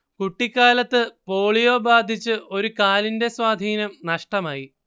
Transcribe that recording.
കുട്ടിക്കാലത്ത് പോളിയോ ബാധിച്ച് ഒരു കാലിന്റെ സ്വാധീനം നഷ്ടമായി